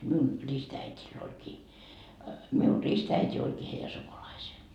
minun ristiäidillä olikin minun ristiäiti olikin heidän sukulaisensa